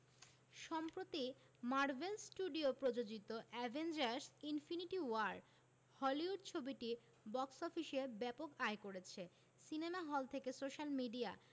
সম্প্রতি Marvel studio প্রযোজিত Avengers Infinity War Hollywood ছবিটি বক্স অফিসে ব্যাপক আয় করছে সিনেমা হল থেকে সোশ্যাল মিডিয়া